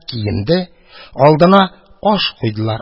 Алдына аш куйдылар — ашады.